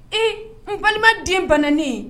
Ee n balima den bannen ye